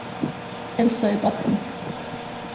elsa er barn mítt